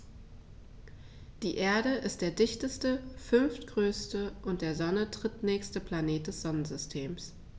Die Erde ist der dichteste, fünftgrößte und der Sonne drittnächste Planet des Sonnensystems.